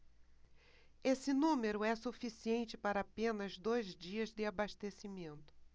esse número é suficiente para apenas dois dias de abastecimento